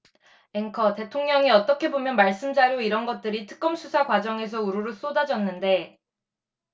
앵커 대통령이 어떻게 보면 말씀자료 이런 것들이 특검 수사 과정에서 우루루 쏟아졌는데